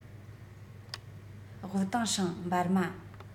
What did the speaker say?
ཝུའུ ཏེང ཧྲེང འབར མ